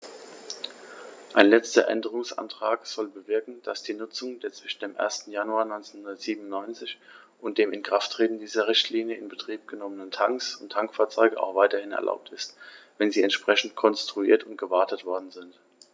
Ein letzter Änderungsantrag soll bewirken, dass die Nutzung der zwischen dem 1. Januar 1997 und dem Inkrafttreten dieser Richtlinie in Betrieb genommenen Tanks und Tankfahrzeuge auch weiterhin erlaubt ist, wenn sie entsprechend konstruiert und gewartet worden sind.